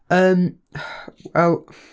Yym. Wel.